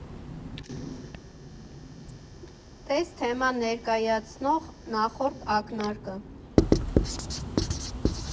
Տես թեման ներկայացնող նախորդ ակնարկը։